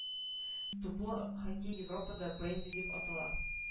Туплы хоккей европада бенди дип атала